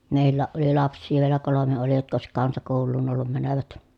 meilläkin oli lapsia vielä kolme oli jotka olisi kansakouluun ollut menevät